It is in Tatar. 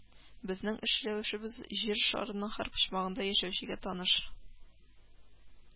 Безнең эш рәвешебез җир шарының һәр почмагында яшәүчегә таныш